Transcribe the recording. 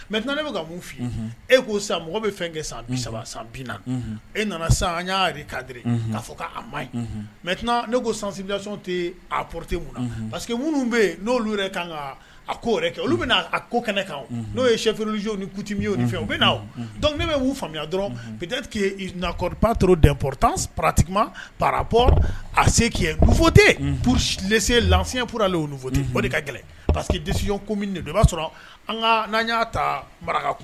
Mɛ ne bɛ mun fɔ e ko san mɔgɔ bɛ fɛn kɛ san bisa san biina e nana san y'a jira kandi ka fɔ k'a ma ɲi mɛ ne ko sansin tɛ pte pa que minnu bɛ yen n'olu yɛrɛ ka kan a ko kɛ olu bɛa ko kɛnɛ kan n'o ye sɛfɛlizo ni kuti ye fɛ o bɛ dɔnkuc ne bɛ wuu faamuya dɔrɔnto pta pati pap asefte psi lese lanya purlen de ka gɛlɛn pa que disiy koba sɔrɔ an n'an y'a ta maraka kun